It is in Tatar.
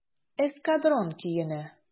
"эскадрон" көенә.